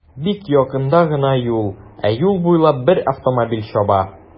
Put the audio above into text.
Бик якында гына юл, ә юл буйлап бер автомобиль чаба.